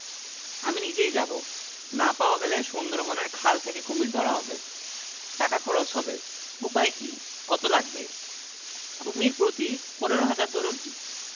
আমি নিজেই যাব না পাওয়া গেলে সুন্দরবনের খাল থেকে কুমীর ধরা হবে টাকা খরচ হবে উপায় কি কত লাগবে কুমীর প্রতি পনেরো হাজার ধরুন